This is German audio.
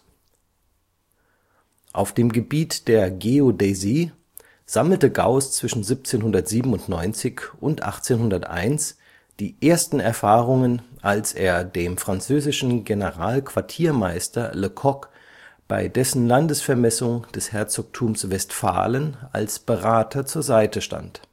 Auf dem Gebiet der Geodäsie sammelte Gauß zwischen 1797 und 1801 die ersten Erfahrungen, als er dem französischen Generalquartiermeister Lecoq bei dessen Landesvermessung des Herzogtums Westfalen als Berater zur Seite stand